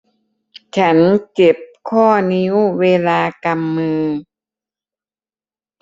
ฉันเจ็บข้อนิ้วเวลากำมือ